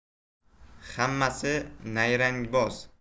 hammasi nayrangboz